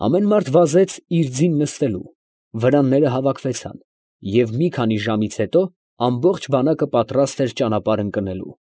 Ամեն մարդ վազեց իր ձին նստելու, վրանները հավաքվեցան, և մի քանի ժամից հետո ամբողջ բանակը պատրաստ էր ճանապարհ ընկնելու։